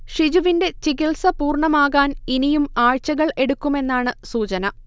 ഷിജുവിന്റെ ചികിൽസ പൂർണ്ണമാകാൻ ഇനിയും ആഴ്ചകൾ എടുക്കുമെന്നാണ് സൂചന